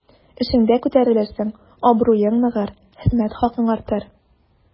Эшеңдә күтәрелерсең, абруең ныгыр, хезмәт хакың артыр.